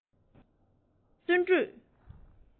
དགེ རྒན དང བརྩོན འགྲུས